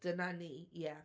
Dyna ni, ie.